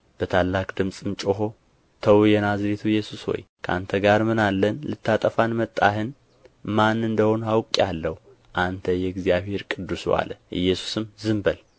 በታላቅ ድምፅም ጮኾ ተው የናዝሬቱ ኢየሱስ ሆይ ከአንተ ጋር ምን አለን ልታጠፋን መጣህን ማን እንደ ሆንህ አውቄሃለሁ አንተ የእግዚአብሔር ቅዱሱ አለ ኢየሱስም ዝም በል